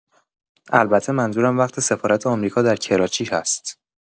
البته منظورم وقت سفارت آمریکا در کراچی هست.